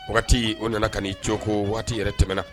Wagati o nana ka' cko waati yɛrɛ tɛmɛna